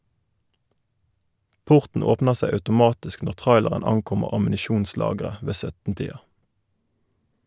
Porten åpner seg automatisk når traileren ankommer ammunisjonslageret ved 17-tida.